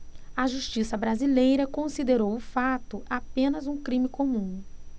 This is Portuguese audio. a justiça brasileira considerou o fato apenas um crime comum